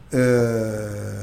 Nse